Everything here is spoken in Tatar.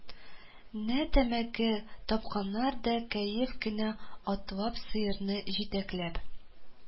На тәмәке капканнар да кәеф кенә атлап сыерны җитәкләп